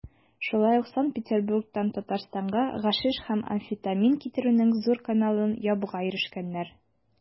Шулай ук Санкт-Петербургтан Татарстанга гашиш һәм амфетамин китерүнең зур каналын ябуга ирешкәннәр.